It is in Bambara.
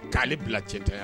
K'ale bila cɛ tɛya